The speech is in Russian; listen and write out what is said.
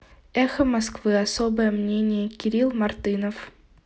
эхо москвы особое мнение кирилл мартынов